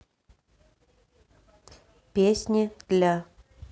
песни для для